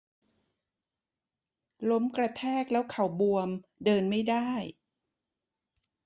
ล้มกระแทกแล้วเข่าบวมเดินไม่ได้